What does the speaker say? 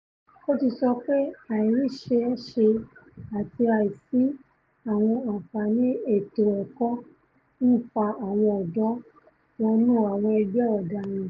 O tí sọ pé àìríṣẹ́ṣe àti àìsí àwọn àǹfààní ètò-ẹ̀kọ́ ń fa àwọn ọ̀dọ́ wọnú àwọn ẹgbẹ́ ọ̀daràn.